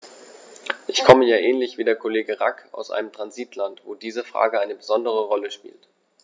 Ich komme ja ähnlich wie der Kollege Rack aus einem Transitland, wo diese Frage eine besondere Rolle spielt.